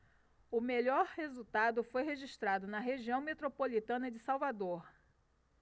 o melhor resultado foi registrado na região metropolitana de salvador